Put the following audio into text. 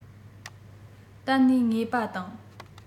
གཏད གནས ངེས པ དང